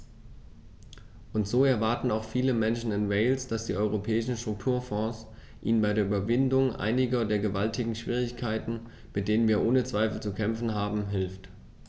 Und so erwarten auch viele Menschen in Wales, dass die Europäischen Strukturfonds ihnen bei der Überwindung einiger der gewaltigen Schwierigkeiten, mit denen wir ohne Zweifel zu kämpfen haben, hilft.